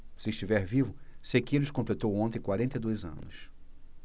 se estiver vivo sequeiros completou ontem quarenta e dois anos